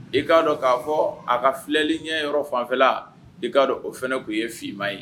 I k'a dɔn k'a fɔ a ka filɛli ɲɛ yɔrɔ fanfɛla i k'a dɔn o fɛnɛ k'u ye fiman ye